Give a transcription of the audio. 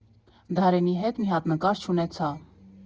Դարենի հետ մի հատ նկար չունեցա։